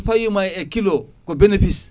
so fawima e kilo ko bénefice